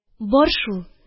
Бар шул